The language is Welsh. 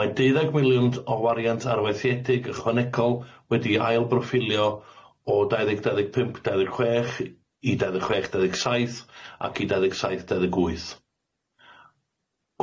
Mae deuddeg miliwnt o wariant arweithiedig ychwanegol wedi ail broffilio o dau ddeg dau ddeg pump dau ddeg chwech i dau ddeg chwech dau ddeg saith ac i dau ddeg saith dau ddeg wyth.